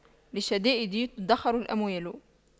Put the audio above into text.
للشدائد تُدَّخَرُ الرجال